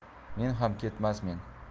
men ham ketmasmen